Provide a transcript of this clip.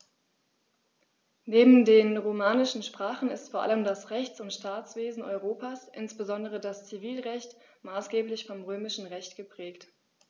Neben den romanischen Sprachen ist vor allem das Rechts- und Staatswesen Europas, insbesondere das Zivilrecht, maßgeblich vom Römischen Recht geprägt.